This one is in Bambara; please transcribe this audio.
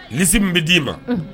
Si min bɛ d'i ma